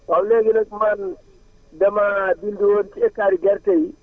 waaw léegi nag man damaa jëndi woon ci hectares yu gerte yi